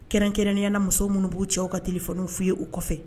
Kɛrɛnkɛrɛnyala muso minnu b'u cɛw ka tli kunnafoniw f' ye u kɔfɛ